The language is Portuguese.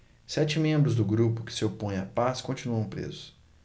sete membros do grupo que se opõe à paz continuam presos